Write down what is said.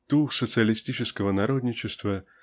Дух социалистического народничества